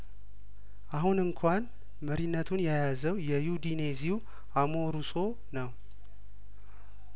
አሁን እንኳን መሪነቱን የያዘው የዩዲኔዜው አሞሩሶ ነው